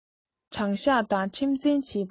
དྲང གཞག ངང ཁྲིམས འཛིན བྱེད པ